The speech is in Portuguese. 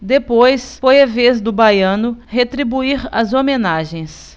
depois foi a vez do baiano retribuir as homenagens